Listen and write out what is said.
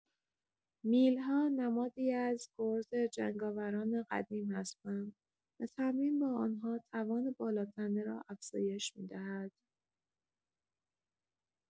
میل‌ها نمادی از گرز جنگاوران قدیم هستند و تمرین با آنها توان بالاتنه را افزایش می‌دهد.